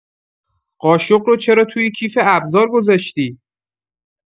قاشق رو چرا توی کیف ابزار گذاشتی؟